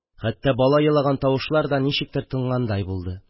Хәттә бала елаган тавышлар да ничектер тынгандай булды.